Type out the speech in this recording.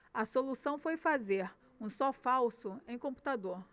a solução foi fazer um sol falso em computador